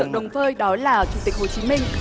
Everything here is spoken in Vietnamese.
đồng khơi đó là chủ tịch hồ chí minh